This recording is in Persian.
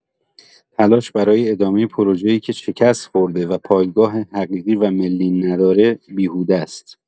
تلاش برای ادامه پروژه‌ای که شکست‌خورده و پایگاه حقیقی و ملی نداره، بیهوده است.